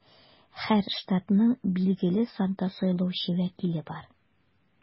Һәр штатның билгеле санда сайлаучы вәкиле бар.